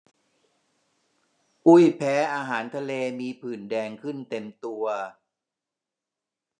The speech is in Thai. อุ้ยแพ้อาหารทะเลมีผื่นแดงขึ้นเต็มตัว